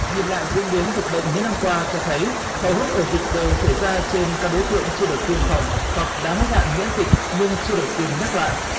nhìn lại diễn biến dịch bệnh những năm qua cho thấy hầu hết ổ dịch đều xảy ra trên các đối tượng chưa được tiêm phòng hoặc đã hết hạn miễn dịch nhưng chưa được tiêm nhắc lại